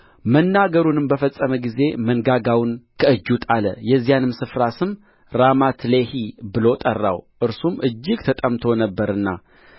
መናገሩንም በፈጸመ ጊዜ መንጋጋውን ከእጁ ጣለ የዚያንም ስፍራ ስም ራማትሌሒ ብሎ ጠራው እርሱም እጅግ ተጠምቶ ነበርና